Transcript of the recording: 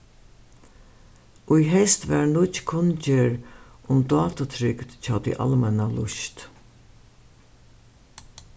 í heyst var nýggj kunngerð um dátutrygd hjá tí almenna lýst